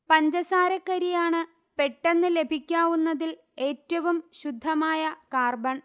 പഞ്ചസാരക്കരിയാണ് പെട്ടെന്ന് ലഭിക്കാവുന്നതിൽ ഏറ്റവും ശുദ്ധമായ കാർബൺ